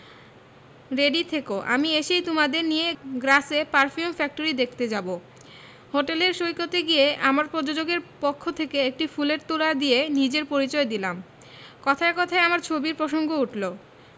আমি এসেই তোমাদের নিয়ে গ্রাসে পারফিউম ফ্যাক্টরি দেখতে যাবো হোটেলের সৈকতে গিয়ে আমার প্রযোজকের পক্ষ থেকে একটি ফুলের তোড়া দিয়ে নিজের পরিচয় দিলাম কথায় কথায় আমার ছবির প্রসঙ্গ উঠলো